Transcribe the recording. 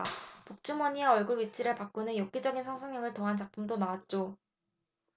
복주머니와 얼굴 위치를 바꾸는 엽기적인 상상력을 더한 작품도 나왔죠